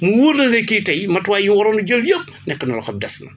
mu wóor la ne kii tey matuwaay yi mu waroon a jël yëpp nekk na loo xam ne des na